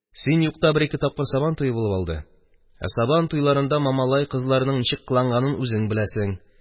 Син юкта бер-ике тапкыр Сабан туе булып алды, ә Сабан туйларында Мамалай кызларының нишләгәнен үзең беләсең.